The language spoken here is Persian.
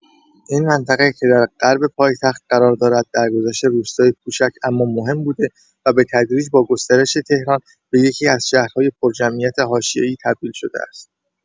این منطقه که در غرب پایتخت قرار دارد، درگذشته روستایی کوچک اما مهم بوده و به‌تدریج با گسترش تهران، به یکی‌از شهرهای پرجمعیت حاشیه‌ای تبدیل شده است.